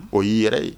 O y yei yɛrɛ ye